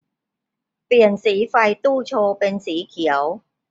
เปลี่ยนสีไฟตู้โชว์เป็นสีเขียว